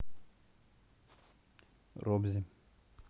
robzi